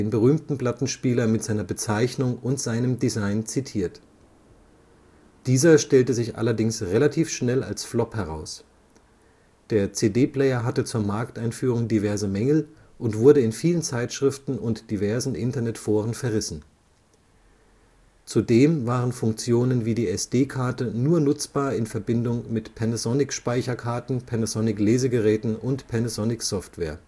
berühmten Plattenspieler mit seiner Bezeichnung und seinem Design zitiert. Dieser stellte sich allerdings relativ schnell als Flop heraus. Der CD-Player hatte zur Markteinführung diverse Mängel und wurde in vielen Zeitschriften und diversen Internetforen verrissen. Zudem waren Funktionen wie die SD-Karte nur nutzbar in Verbindung mit Panasonic-Speicherkarten, - Lesegeräten und - Software